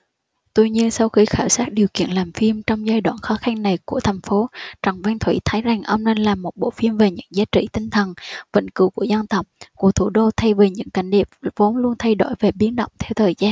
tuy nhiên sau khi khảo sát điều kiện làm phim trong giai đoạn khó khăn này của thành phố trần văn thủy thấy rằng ông nên làm một bộ phim về những giá trị tinh thần vĩnh cửu của dân tộc của thủ đô thay vì những cảnh đẹp vốn luôn thay đổi và biến động theo thời gian